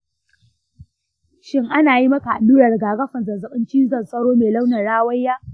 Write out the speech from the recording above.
shin an yi maka allurar rigakafin zazzaɓin cizon sauro mai launin rawaya?